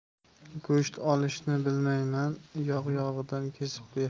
go'sht olishni bilmayman yog' yog'idan kesib ber